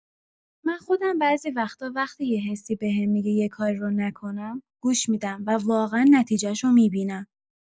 من خودم بعضی وقتا وقتی یه حسی بهم می‌گه یه کاری رو نکنم، گوش می‌دم و واقعا نتیجه‌شو می‌بینم.